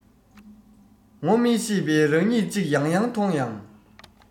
ངོ མི ཤེས པའི རང ཉིད ཅིག ཡང ཡང མཐོང ཡང